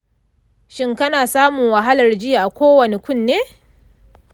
shin kana samun wahalar ji a kowanne kunne?